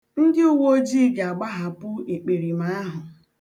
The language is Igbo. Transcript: Ndị uweojii ga-agbahapụ ekperima ahụ.